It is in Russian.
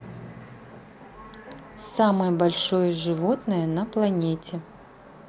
самое большое животное на планете